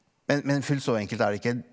men men fullt så enkelt er det ikke.